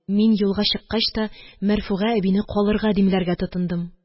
Мин, юлга чыккач та, Мәрфуга әбине калырга димләргә тотындым.